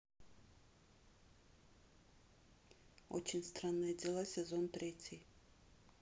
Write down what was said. очень странные дела сезон третий